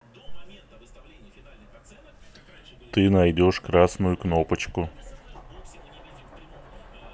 ты найдешь красную кнопочку